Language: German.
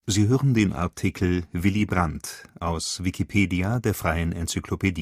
Sie hören den Artikel Willy Brandt, aus Wikipedia, der freien Enzyklopädie